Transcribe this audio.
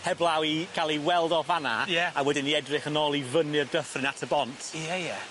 Heblaw i ca'l 'i weld off fan 'na. Ie. A wedyn i edrych yn ôl i fyny'r dyffryn at y bont. Ie ie.